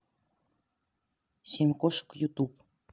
семь кошек ютуб